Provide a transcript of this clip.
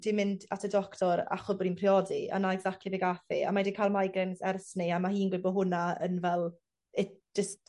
'di mynd at y doctor acho bod 'i'n priodi a naeth actually gath 'i a mae 'di ca'l migraines ers 'ny a ma' hi'n gweu' bo' hwnna yn fel it jyst